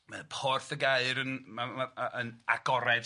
Ma' yy porth y gair yn ma' ma' yy yn agored de.